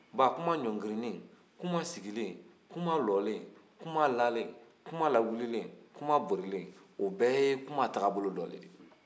bon kuma ɲɔngirinen kuma sigilen kuma jɔlen kuma dalen kuma lawililen kuma bolilen o bɛɛ ye kuma taabolo dɔ de ye